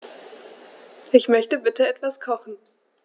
Ich möchte bitte etwas kochen.